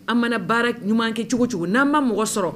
An mana baara ɲuman kɛ cogo cogo n'an ma mɔgɔ sɔrɔ